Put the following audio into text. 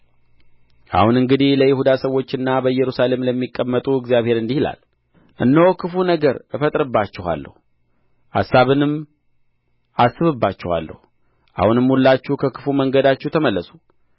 አሁን እንግዲህ ለይሁዳ ሰዎችና በኢየሩሳሌም ለሚቀመጡ እግዚአብሔር እንዲህ ይላል እነሆ ክፉ ነገር እፈጥርባችኋለሁ አሳብንም አስብባችኋለሁ አሁንም ሁላችሁ ከክፉ መንገዳችሁ ተመለሱ